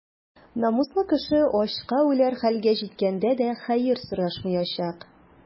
Намуслы кеше ачка үләр хәлгә җиткәндә дә хәер сорашмаячак.